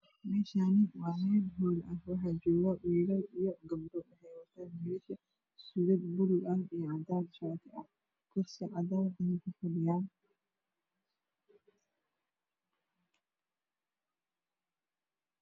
Meshani wa mel hol ah waxajogo wll oo gabdho waxey watan wll suugag bulug ah io cadan shatiga kursi cadan ayey kufadhiyan